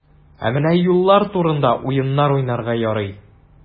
Ә менә юллар турында уеннар уйнарга ярый.